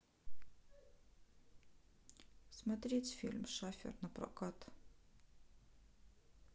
смотреть фильм шафер напрокат